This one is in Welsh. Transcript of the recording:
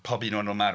Pob un o nhw'n marw.